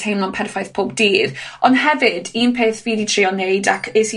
teimlo'n perffaith pob dydd, ond hefyd un peth fi di trio neud, ac es i